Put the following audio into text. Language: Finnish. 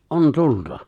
on tulta